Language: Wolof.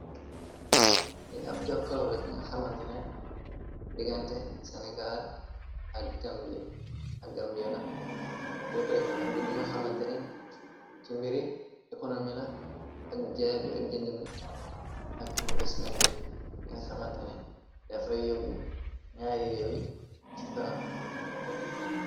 Ni ab jokkalo la binga xamanteni digante senigal ak gambiya la jokkaleko nabinga xamantene ci mbiri ekonomi la ak jaa bi ak jënd mi ak investment bi binga xamantene defay yóbbu ñaayi réewi ci kanam.